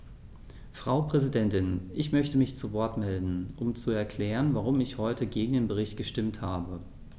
Frau Präsidentin, ich möchte mich zu Wort melden, um zu erklären, warum ich heute gegen den Bericht gestimmt habe.